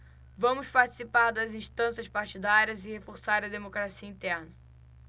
vamos participar das instâncias partidárias e reforçar a democracia interna